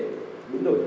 biến đổi